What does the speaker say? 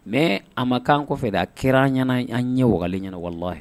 Mɛ a ma kan kɔfɛ da kɛra an ɲana an ɲɛ waga ɲɛnawalela ye